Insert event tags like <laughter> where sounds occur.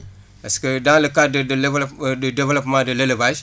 parce que dans le cadre de de dévelop <hesitation> du développement de l' élevage